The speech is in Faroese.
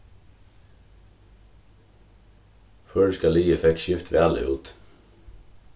føroyska liðið fekk skift væl út